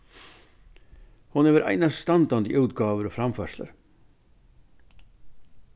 hon hevur einastandandi útgávur og framførslur